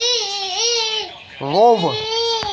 лов